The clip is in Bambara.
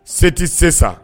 Seti sisan